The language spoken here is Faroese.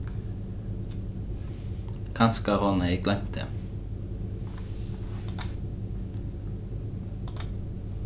kanska hevur hon hevði gloymt tað